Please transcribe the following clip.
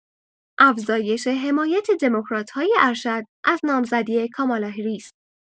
افزایش حمایت دموکرات‌های ارشد از نامزدی کامالا هریس